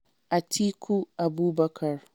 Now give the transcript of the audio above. Atiku Abubakar